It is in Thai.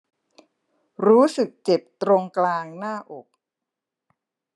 รู้สึกเจ็บตรงกลางหน้าอก